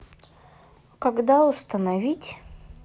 когда установить